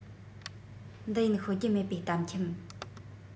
འདི ཡིན ཤོད རྒྱུ མེད པའི གཏམ འཁྱམས